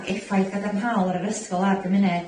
ac effaith gadarnhaol ar yr ysgol a'r gymuned